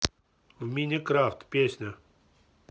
в minecraft песня